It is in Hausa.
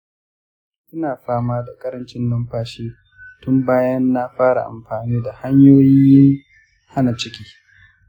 ina fama da karancin numfashi tun bayan na fara amfani da hanyoyin hana ciki.